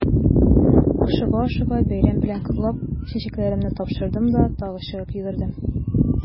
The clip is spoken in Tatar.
Ашыга-ашыга бәйрәм белән котлап, чәчәкләремне тапшырдым да тагы чыгып йөгердем.